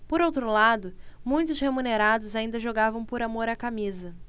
por outro lado muitos remunerados ainda jogavam por amor à camisa